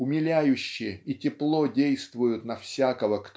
умиляюще и тепло действуют на всякого